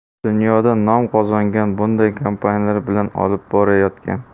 dunyoda nom qozongan bunday kompaniyalar bilan olib borayotgan